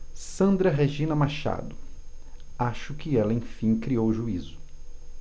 sandra regina machado acho que ela enfim criou juízo